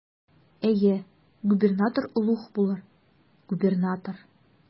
Әйе, губернатор олуг булыр, губернатор.